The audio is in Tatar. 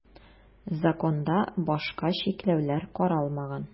Законда башка чикләүләр каралмаган.